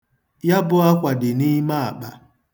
Ya bụ akwa dị n'ime akpa.